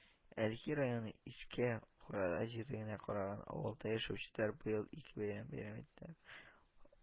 Әлки районы Иске Хурада җирлегенә караган авылда яшәүчеләр быел ике бәйрәмне бәйрәм иттеләр: